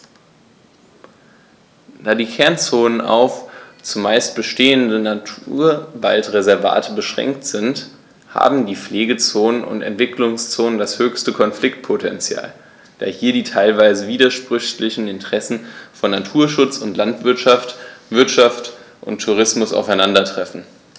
Da die Kernzonen auf – zumeist bestehende – Naturwaldreservate beschränkt sind, haben die Pflegezonen und Entwicklungszonen das höchste Konfliktpotential, da hier die teilweise widersprüchlichen Interessen von Naturschutz und Landwirtschaft, Wirtschaft und Tourismus aufeinandertreffen.